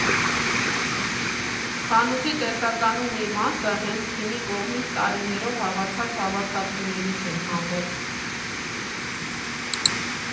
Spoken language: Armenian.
Խանութի տեսականու մի մասը հենց թիմի կողմից տարիներով հավաքած հավաքածուներից են հանված։